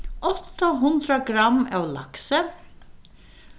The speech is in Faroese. átta hundrað gramm av laksi